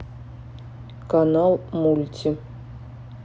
канал мульти